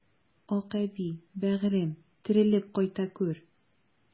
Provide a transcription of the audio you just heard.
Акъәби, бәгырем, терелеп кайта күр!